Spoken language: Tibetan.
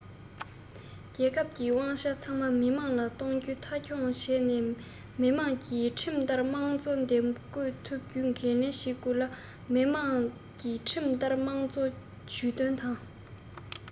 རྒྱལ ཁབ ཀྱི དབང ཆ ཚང མ མི དམངས ལ གཏོགས རྒྱུ མཐའ འཁྱོངས བྱས ནས མི དམངས ཀྱིས ཁྲིམས ལྟར དམངས གཙོ འདེམས བསྐོ ཐུབ རྒྱུའི འགན ལེན བྱེད དགོས ལ མི དམངས ཀྱིས ཁྲིམས ལྟར དམངས གཙོ ཇུས འདོན དང